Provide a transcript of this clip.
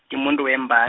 ngimumuntu wemba-.